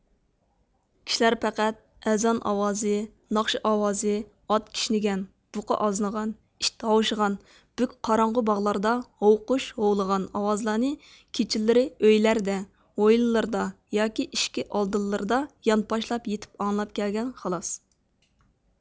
كىشىلەر پەقەت ئەزان ئاۋازى ناخشا ئاۋازى ئات كىشنىگەن بۇقا ئازنىغان ئىت ھاۋشىغان بۈك قاراڭغۇ باغلاردا ھۇۋقۇش ھۇۋلىغان ئاۋازلارنى كېچىلىرى ئۆيلەردە ھويلىلاردا ياكى ئىشىكى ئالدىلىرىدا يانپاشلاپ يېتىپ ئاڭلاپ كەلگەن خالاس